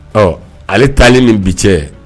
Ɔɔ ale taalen ni bi cɛ